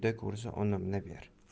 uyda ko'rsa unimni ber